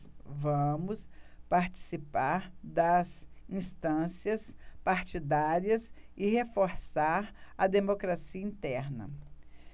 vamos participar das instâncias partidárias e reforçar a democracia interna